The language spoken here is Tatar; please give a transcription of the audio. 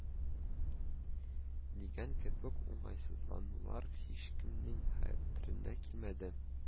" дигән кебек уңайсызланулар һичкемнең хәтеренә килмәде